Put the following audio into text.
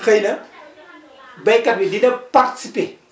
xëy na béykat bi dina participer